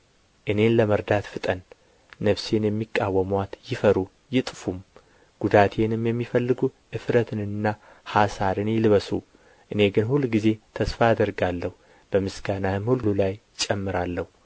እኔን ለመርዳት ፍጠን ነፍሴን የሚቃወሙአት ይፈሩ ይጥፉም ጕዳቴንም የሚፈልጉ እፍረትንና ኃሣርን ይልበሱ እኔ ግን ሁልጊዜ ተስፋ አደርጋለሁ በምስጋናህም ሁሉ ላይ እጨምራለሁ